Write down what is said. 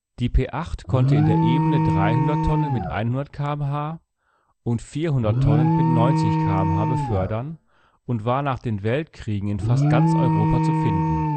Die P 8 konnte in der Ebene 300 t mit 100 km/h und 400 t mit 90 km/h befördern und war nach den Weltkriegen in fast ganz Europa zu finden